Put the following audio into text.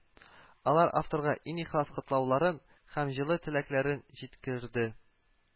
Алар авторга иң ихлас котлауларын һәм җылы теләкләрен җиткерде